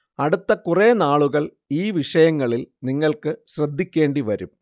അടുത്ത കുറേ നാളുകൾ ഈ വിഷയങ്ങളിൽ നിങ്ങൾക്ക് ശ്രദ്ധിക്കേണ്ടി വരും